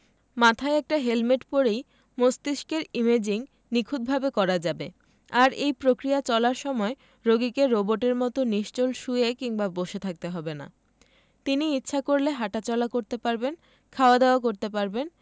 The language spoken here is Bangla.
মাথায় একটা হেলমেট পরেই মস্তিষ্কের ইমেজিং নিখুঁতভাবে করা যাবে আর এই প্রক্রিয়া চলার সময় রোগীকে রোবটের মতো নিশ্চল শুয়ে কিংবা বসে থাকতে হবে না তিনি ইচ্ছা করলে হাটাচলা করতে পারবেন খাওয়া দাওয়া করতে পারবেন